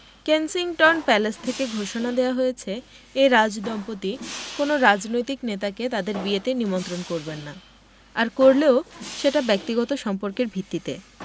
Kensington Palace থেকে ঘোষণা দেওয়া হয়েছে এ রাজদম্পতি কোনো রাজনৈতিক নেতাকে তাঁদের বিয়েতে নিমন্ত্রণ করবেন না আর করলেও সেটি ব্যক্তিগত সম্পর্কের ভিত্তিতে